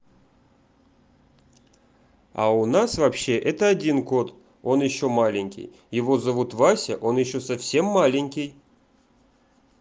а у нас вообще это один кот он еще маленький его зовут вася он еще совсем маленький